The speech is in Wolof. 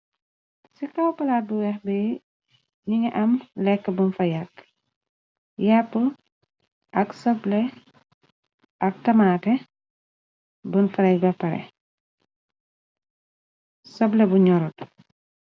ci kaw palaat bu weex bi nigi am lekk bun fa yàkk yàpp ak soble ak tamaté bun faray bare soble bu ñorot.